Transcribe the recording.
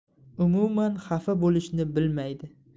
umuman xafa bo'lishni bilmaydi